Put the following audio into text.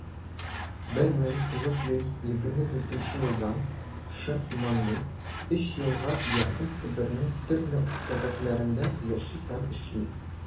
1924 елдан ш.маннур өч елга якын себернең төрле төбәкләрендә яши һәм эшли.